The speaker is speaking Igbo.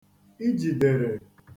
ijìdèrè